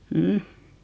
mm